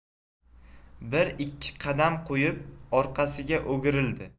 bir ikki qadam qo'yib orqasiga o'girildi